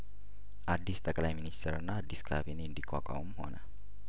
አዲስ ጠቅላይ ሚንስትርና አዲስ ካቢኔ እንዲቋቋምም ሆነ